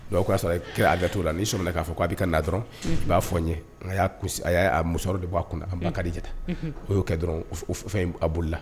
Dɔw'a sɔrɔ kɛra a kato la' sɔ k'a fɔ k a bɛ ka na dɔrɔn i b'a fɔ n a y'a muso de b'a kun a dijata o y'o kɛ dɔrɔn fɛn a bolola